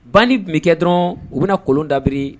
Ban ni bi bɛkɛ dɔrɔn u bɛna kolon dabiri